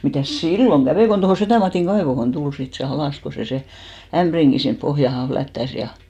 mitäs silloin kävi kun tuohon Setä Matin kaivoon tuli sitten se alas kun se se ämpärinkin sinne pohjaan flättäsi ja